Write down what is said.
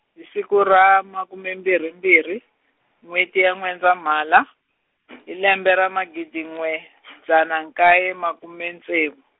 hi siku ra makume mbirhi mbirhi, n'weti ya N'wendzamhala , hi lembe ra magidi n'we , dzana nkaye makume ntsevu.